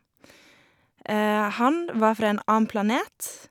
Han var fra en annen planet.